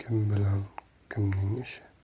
kim bilan kimning ishi